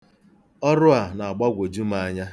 Ọrụ na-agbagwoju m anya.